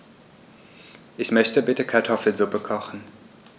Ich möchte bitte Kartoffelsuppe kochen.